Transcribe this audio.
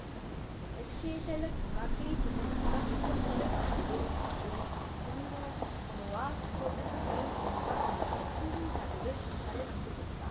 에스케이텔레콤과 케이티는 이런 요청서를 받고도 의 주민등록번호와 주소 등 개인정보가 담긴 통신자료를 검찰에 넘겨줬다